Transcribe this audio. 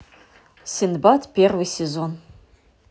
синдбад первый сезон